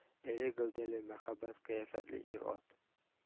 Эре гәүдәле, мәһабәт кыяфәтле ир-ат